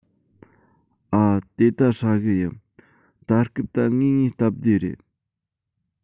ཨ དེ ད ཧྲ གི ཡ ད སྐབས ད ངེས ངེས སྟབས བདེ རེད